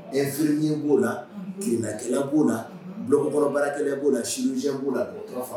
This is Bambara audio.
Efi b'o la kirininatigɛ b'o la dɔnkɔrɔbarakɛ b'o la sijɛ b' la